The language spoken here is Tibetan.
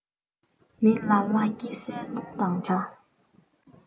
མི ལ ལ སྐྱི བསེར རླུང དང འདྲ